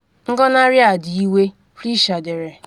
“Ngọnarị a dị iwe,” Fleischer dere.